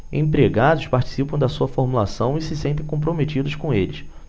empregados participam da sua formulação e se sentem comprometidos com eles